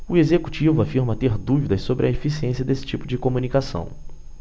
o executivo afirma ter dúvidas sobre a eficiência desse tipo de comunicação